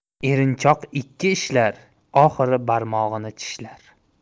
erinchoq ikki ishlar oxiri barmog'ini tishlar